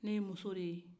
ne ye muso de ye